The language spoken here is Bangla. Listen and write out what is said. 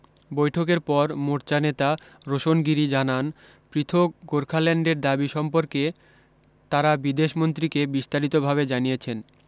বৈঠকের পর মোর্চা নেতা রোশন গিরি জানান পৃথক গোর্খাল্যান্ডের দাবি সম্পর্কে তাঁরা বিদেশমন্ত্রীকে বিস্তারিতভাবে জানিয়েছেন